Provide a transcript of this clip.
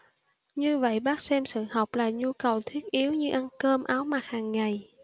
như vậy bác xem sự học là nhu cầu thiết yếu như cơm ăn áo mặc hàng ngày